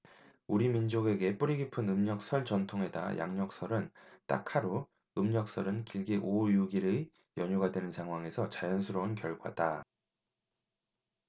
우리 민족에게 뿌리깊은 음력 설 전통에다 양력 설은 딱 하루 음력 설은 길게 오 육 일의 연휴가 되는 상황에서 자연스러운 결과다